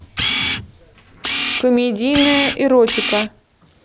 комедийная эротика